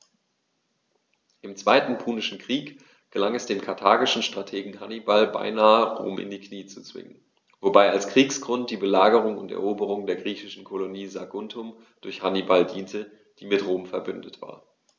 Im Zweiten Punischen Krieg gelang es dem karthagischen Strategen Hannibal beinahe, Rom in die Knie zu zwingen, wobei als Kriegsgrund die Belagerung und Eroberung der griechischen Kolonie Saguntum durch Hannibal diente, die mit Rom „verbündet“ war.